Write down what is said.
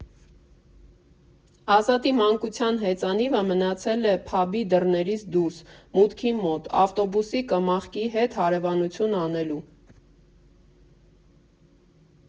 Ազատի մանկության հեծանիվը մնացել է փաբի դռներից դուրս՝ մուտքի մոտ, ավտոբուսի կմախքի հետ հարևանություն անելու։